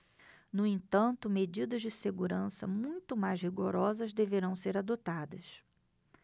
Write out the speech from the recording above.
no entanto medidas de segurança muito mais rigorosas deverão ser adotadas